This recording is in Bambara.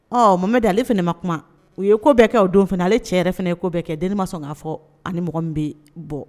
Ɔ mamɛ da ale f ma kuma u ye ko bɛɛkɛ o don fana ale cɛ yɛrɛ fana ye ko bɛɛ kɛ deniba ma sɔn k'a fɔ ani m bɛ bɔ